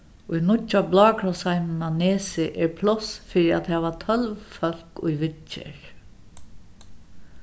í nýggja blákrossheiminum á nesi er pláss fyri at hava tólv fólk í viðgerð